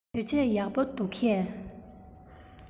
བོད ཆས ཡག པོ འདུག གས